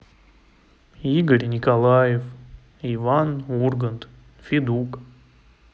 игорь николаев иван ургант федук